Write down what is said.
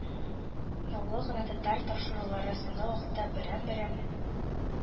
Наулы гына татар тапшырулары соңгы вакытта берәм-берәм